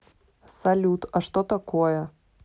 салют а что такое